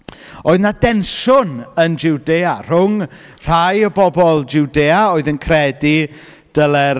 Oedd ‘na densiwn yn Jwdea rhwng rhai o bobl Jwdea oedd yn credu dyle'r...